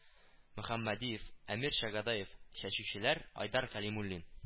Мөхәммәдиев, Әмир Чагодаев, чәчүчеләр Айдар Кәлимуллин